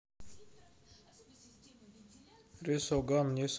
resogun не согласен